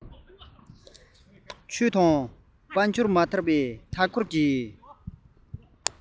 ཆོས དང དཔལ འབྱོར མ དར བའི མཐའ འཁོར གྱི ཡུལ